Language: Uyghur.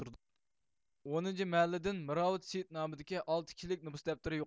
ئونىنچى مەھەللىدىن مىرئاۋۇت سېيىت نامىدىكى ئالتە كىشىلىك نوپۇس دەپتىرى يوقالدى